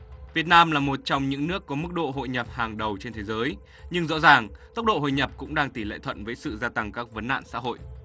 việt nam là một trong những nước có mức độ hội nhập hàng đầu trên thế giới nhưng rõ ràng tốc độ hội nhập cũng đang tỉ lệ thuận với sự gia tăng các vấn nạn xã hội